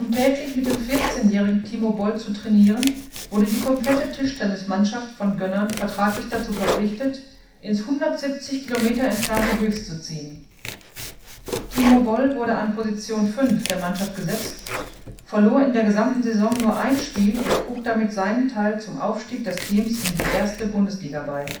täglich mit dem 14-jährigen Timo Boll zu trainieren, wurde die komplette Tischtennismannschaft von Gönnern vertraglich dazu verpflichtet ins 170 km entfernte Höchst zu ziehen. Timo Boll wurde an Position fünf der Mannschaft gesetzt, verlor in der gesamten Saison nur ein Spiel und trug damit seinen Teil zum Aufstieg des Teams in die erste Bundesliga bei